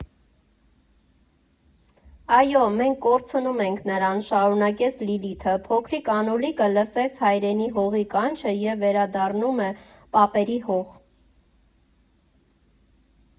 ֊ Այո, մենք կորցնում ենք նրան, ֊ շարունակեց Լիլիթը, ֊ փոքրիկ Անուլիկը լսեց հայրենի հողի կանչը և վերադառնում է պապերի հող։